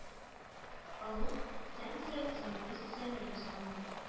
Олуг, сән төзәтсәң, без төзәнербез камуг